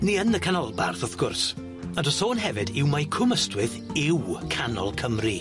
Ni yn y canolbarth, wrth gwrs, ond y sôn hefyd yw mae Cwm Ystwyth yw canol Cymru.